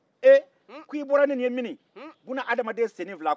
ee k'i bɔra ni nin ye min bunahadamaden seni fila